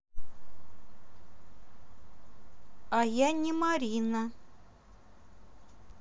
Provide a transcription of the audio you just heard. а я не марина